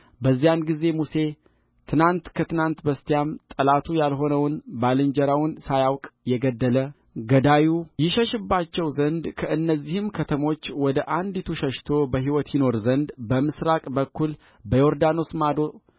በዚያን ጊዜ ሙሴ ትናንት ከትናንት በስቲያም ጠላቱ ያልሆነውን ባልንጀራውን ሳያውቅ የገደለ ገዳዩ ይሸሽባቸው ዘንድ ከእነዚህም ከተሞች ወደ አንዲቱ ሸሽቶ በሕይወት ይኖር ዘንድ በምሥራቅ በኩል በዮርዳኖስ ማዶ